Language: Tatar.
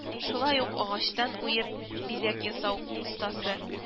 Шулай ук агачтан уеп бизәк ясау остасы